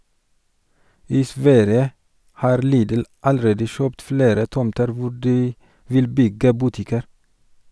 I Sverige har Lidl allerede kjøpt flere tomter hvor de vil bygge butikker.